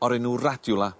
o'r enw radula